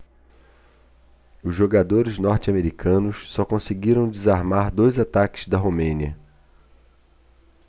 os jogadores norte-americanos só conseguiram desarmar dois ataques da romênia